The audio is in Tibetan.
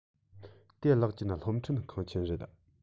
དེ གློག ཅན སློབ ཁྲིད ཁང ཆེན རེད